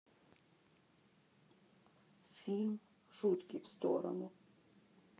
фильм шутки в сторону